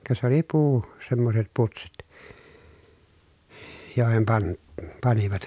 ka se oli puu semmoiset putsit joihin - panivat